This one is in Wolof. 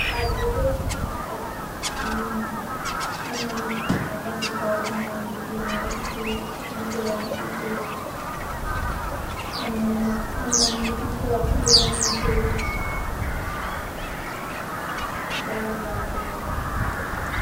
Gaal bu rëy moo eb nit ñi. Am na nit ñu neekë si kow, am na nit ñi neekë si suuf. Motto yaañg si suufam na nit ñu toog si Ron motto yi. Gaal baa ngee dem.